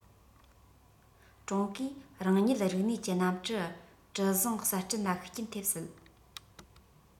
ཀྲུང གོས རང ཉིད རིག གནས ཀྱི གནམ གྲུ གྲུ གཟིངས གསར སྐྲུན ལ ཤུགས རྐྱེན ཐེབས སྲིད